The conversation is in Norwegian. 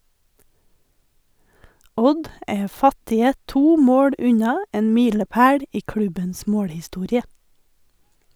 Odd er fattige to mål unna en milepæl i klubbens målhistorie.